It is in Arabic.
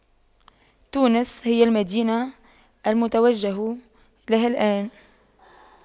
تونس هي المدينة المتوجه لها الآن